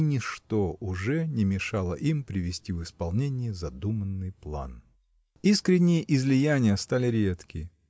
и ничто уже не мешало им привести в исполнение задуманный план. Искренние излияния стали редки.